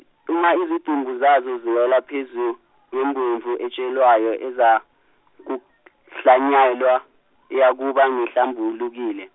uma izidumbu zazo ziwela phezu kwembewu etshalwayo ezakuhlanyelwa, iyakuba ngehlambulukile.